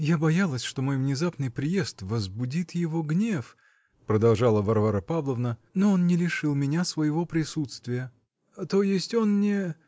-- Я боялась, что мой внезапный приезд возбудит его гнев, -- продолжала Варвара Павловна, -- но он не лишил меня своего присутствия. -- То есть он не.